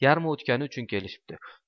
yarmi o'tgani uchun kelishibdi